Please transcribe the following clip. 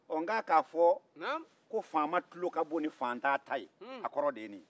k'a ka fɔ ko faama tulo ka bon ni faantan ta ye a kɔrɔ de ye nin